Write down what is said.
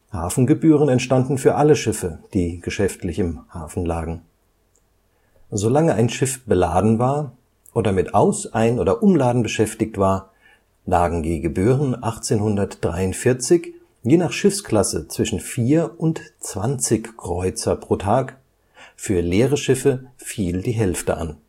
Hafengebühren entstanden für alle Schiffe, die geschäftlich im Hafen lagen. Solange ein Schiff beladen war oder mit Aus -, Ein - oder Umladen beschäftigt war, lagen die Gebühren 1843 je nach Schiffsklasse zwischen 4 und 20 Kreuzer pro Tag, für leere Schiffe fiel die Hälfte an